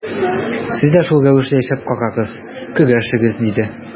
Сез дә шул рәвешле яшәп карагыз, көрәшегез, диде.